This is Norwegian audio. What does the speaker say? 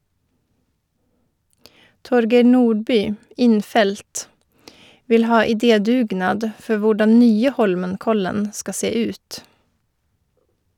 Torgeir Nordby, innfelt, vil ha idédugnad for hvordan nye Holmenkollen skal se ut.